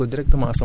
wala sama ñax